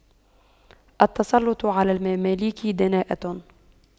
التسلُّطُ على المماليك دناءة